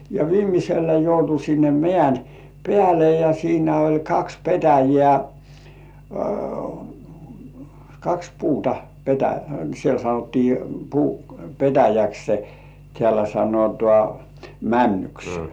ja viimeisellä joutui sinne mäen päälle ja siinä oli kaksi petäjää kaksi puuta - siellä sanottiin puu petäjäksi täällä sanotaan männyksi